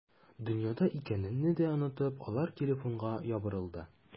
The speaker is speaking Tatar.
Дөньяда икәнемне дә онытып, алар телефонга ябырылды.